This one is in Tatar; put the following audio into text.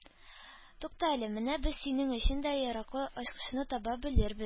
Туктале, менә без синең өчен дә яраклы ачкычны таба белербез